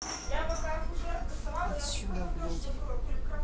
отсюда блять